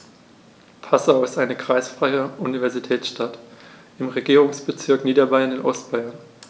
Passau ist eine kreisfreie Universitätsstadt im Regierungsbezirk Niederbayern in Ostbayern.